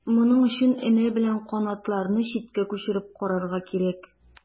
Моның өчен энә белән канатларны читкә күчереп карарга кирәк.